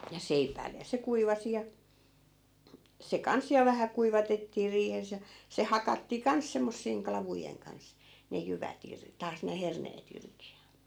ja seipäille ja se kuivasi ja se kanssa ja vähän kuivatettiin riihessä ja se hakattiin kanssa semmoisien klavujen kanssa ne jyvät - taas ne herneet irti ja